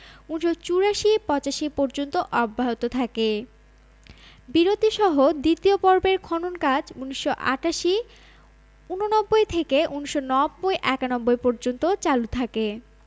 ১৯৮৪ ৮৫ পর্যন্ত অব্যাহত থাকে বিরতিসহ দ্বিতীয় পর্বের খনন কাজ ১৯৮৮ ৮৯ থেকে ১৯৯০ ৯১ পর্যন্ত চালু থাকে